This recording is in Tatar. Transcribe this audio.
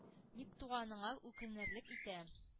– ник туганыңа үкенерлек итә.